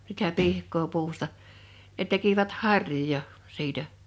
sitä pihkaa puusta ne tekivät harjoja siitä